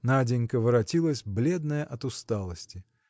Наденька воротилась бледная от усталости.